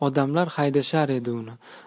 odamlar haydashar edi uni